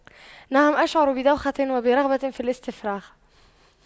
نعم أشعر بدوخة وبرغبة في الاستفراغ